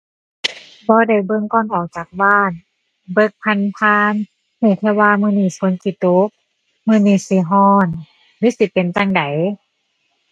บ่ได้เบิ่งก่อนออกจากบ้าน เบิ่งผ่านผ่าน รู้แค่ว่ามื้อนี้ฝนสิตก มื้อนี้สิรู้ หรือสิเป็นจั่งใด